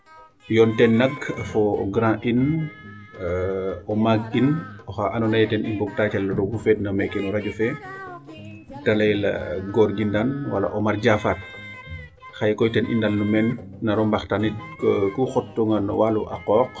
Yoon teen nak fo o grand in o maag in oxaa andoona yee ten i mbogtaa calel roog fu feed na meeke no radio fe ta layel Gorgui Ndane wala Omar Diafate xaye koy ten i ndalnu meen naro mbaxtaanit ku xottuuna no walu a qooq.